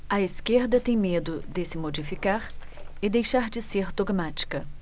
a esquerda tem medo de se modificar e deixar de ser dogmática